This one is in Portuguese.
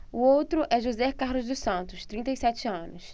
o outro é josé carlos dos santos trinta e sete anos